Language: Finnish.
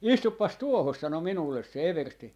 istupas tuohon sanoi minulle se eversti